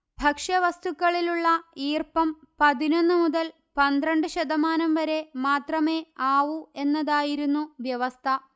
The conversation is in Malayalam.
ഭക്ഷ്യവസ്തുക്കളിലുളള ഈർപ്പം പതിനൊന്ന്മുതൽ പന്ത്രണ്ട് ശതമാനം വരെ മാത്രമേ ആവൂ എന്നതായിരുന്നു വ്യവസ്ഥ